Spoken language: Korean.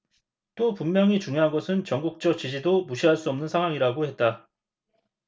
또 분명히 중요한 것은 전국적 지지도 무시할 수 없는 상황이라고 했다